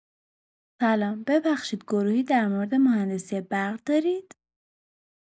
سلام ببخشید گروهی در مورد مهندسی برق دارید؟